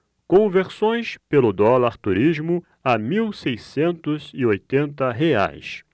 conversões pelo dólar turismo a mil seiscentos e oitenta reais